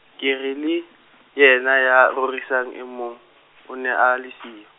ke re le, yena ya rorisang e mong, o ne a le siyo.